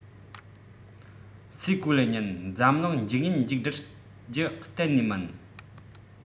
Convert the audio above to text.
སའི གོ ལའི ཉིན འཛམ གླིང འཇིག ཉིན མཇུག བསྒྲིལ རྒྱུ གཏན ནས མིན